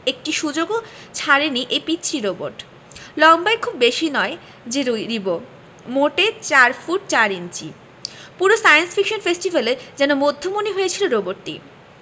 একটি সুযোগও ছাড়েনি এই পিচ্চি রোবট লম্বায় খুব বেশি নয় যে রিবো মোটে ৪ ফুট ৪ ইঞ্চি পুরো সায়েন্স ফিকশন ফেস্টিভ্যালে যেন মধ্যমণি হয়েছিল রোবটটি